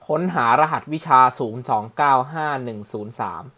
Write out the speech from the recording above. ค้นหารหัสวิชาศูนย์สองเก้าห้าหนึ่งศูนย์สาม